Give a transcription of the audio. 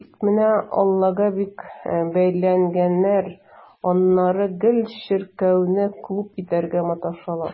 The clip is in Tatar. Тик менә аллага бик бәйләнәләр, аннары гел чиркәүне клуб итәргә маташалар.